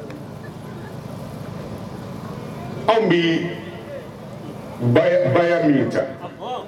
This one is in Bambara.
Anw bɛ ba min ta